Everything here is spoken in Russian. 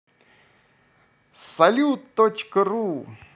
салют точка ру